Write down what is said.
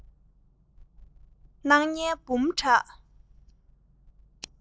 སྣང བརྙན འབུམ ཕྲག